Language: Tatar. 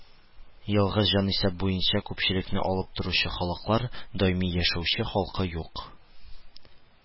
Елгы җанисәп буенча күпчелекне алып торучы халыклар: даими яшәүче халкы юк